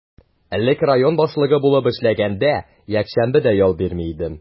Элек район башлыгы булып эшләгәндә, якшәмбе дә ял бирми идем.